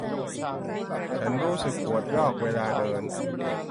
ฉันรู้สึกปวดยอกเวลาเดิน